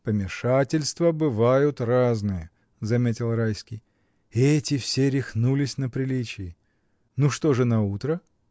— Помешательства бывают разные, — заметил Райский, — эти все рехнулись на приличии. Ну, что же наутро?